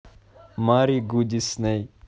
мари гу дисней